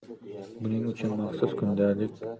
buning uchun maxsus kundalik